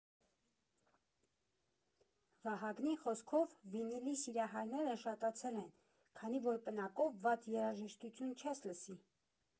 Վահագնի խոսքով՝ վինիլի սիրահարները շատացել են, քանի որ պնակով վատ երաժշտություն չես լսի։